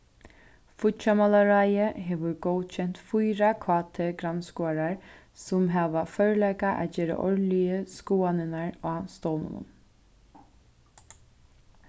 fíggjarmálaráðið hevur góðkent fýra kt-grannskoðarar sum hava førleika at gera árligu skoðanirnar á stovnunum